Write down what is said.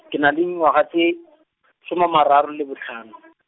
ke na le dingwaga tse , soma mararo le botlhano.